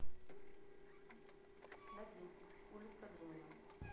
ногинск улица ленина